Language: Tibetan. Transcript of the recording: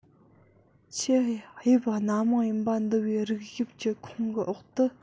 ཆེས དབྱིབས སྣ མང ཡིན པ འདུ བའི རིགས དབྱིབས གྱི ཁོངས ཀྱི འོག ཏུ